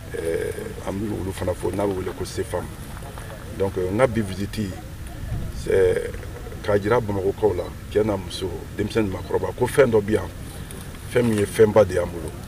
Ɛɛ an bɛ olu fana fo n'a wele ko sefa n ka bi vti kaa jira bamakɔkaw la cɛa muso denmisɛnkɔrɔba ko fɛn dɔ bɛ yan fɛn min ye fɛn ba de y'an bolo